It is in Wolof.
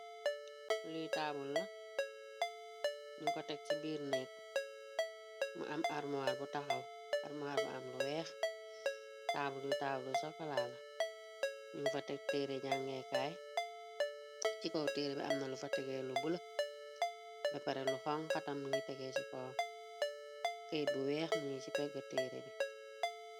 Li taabul la ñu ko teg ci biir nekk mu am armoaar bu am lu weex taabul luy taawlu sokolaala ñun fa teg teere jangeekaay ci kow teere bi amna lu fa tege lu bula bepare lu xong xatam ngi tege ci ko këyit bu weex mingi ci pegg teere bi.